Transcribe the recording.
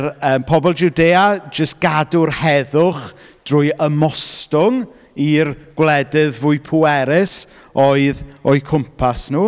Yym, pobol Jwdea jyst gadw'r heddwch drwy ymostwng i'r gwledydd fwy pwerus oedd o'u cwmpas nhw.